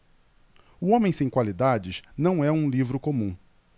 o homem sem qualidades não é um livro comum